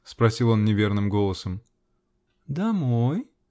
-- спросил он неверным голосом. -- Домой??